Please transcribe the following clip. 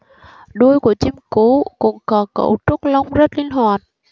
đuôi của chim cú cũng có cấu trúc lông rất linh hoạt